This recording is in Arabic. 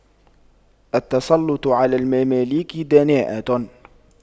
التسلُّطُ على المماليك دناءة